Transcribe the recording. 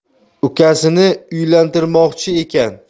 ukasini uylantirimoqchi ekan